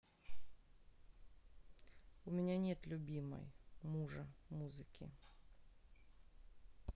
у меня нет любимой мужа музыки